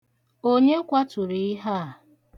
Onye kwaturu ihe a?